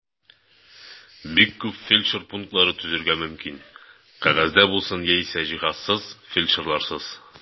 Бик күп фельдшер пунктлары төзергә мөмкин (кәгазьдә булсын яисә җиһазсыз, фельдшерларсыз).